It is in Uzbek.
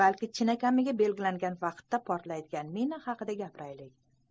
balki chinakamiga belgilangan vaqtda portlaydigan mina haqida gapiraylik